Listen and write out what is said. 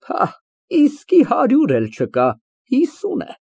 Փահ, իսկի հարյուր էլ չկա, հիսուն է։